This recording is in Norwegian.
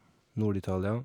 Nord-Italia.